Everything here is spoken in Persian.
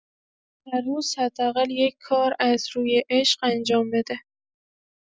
هر روز حداقل یک کار از روی عشق انجام بده.